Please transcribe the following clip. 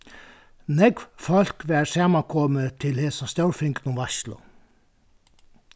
nógv fólk var samankomið til hesa stórfingnu veitslu